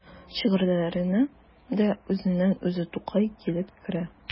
Шигырьләренә дә үзеннән-үзе Тукай килеп керә.